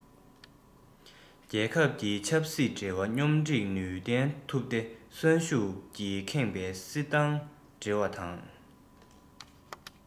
རྒྱལ ཁབ ཀྱི ཆབ སྲིད འབྲེལ བ སྙོམས སྒྲིག ནུས ལྡན ཐུབ སྟེ གསོན ཤུགས ཀྱིས ཁེངས པའི སྲིད ཏང འབྲེལ བ དང